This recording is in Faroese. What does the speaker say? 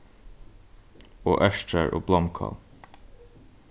og ertrar og blómkál